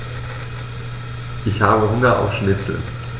Ich habe Hunger auf Schnitzel.